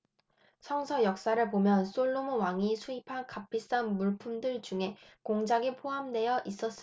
성서 역사를 보면 솔로몬 왕이 수입한 값비싼 물품들 중에 공작이 포함되어 있었음을 알 수 있습니다